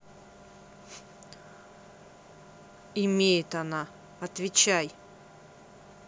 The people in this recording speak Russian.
имеет она отвечай